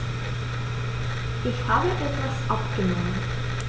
Ich habe etwas abgenommen.